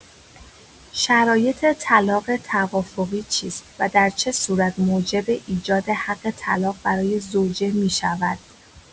شرایط طلاق توافقی چیست و در چه صورت موجب ایجاد حق طلاق برای زوجه می‌شود؟